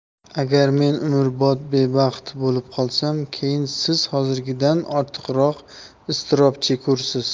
agar men umrbod bebaxt bo'lib qolsam keyin siz hozirgidan ortiqroq iztirob chekursiz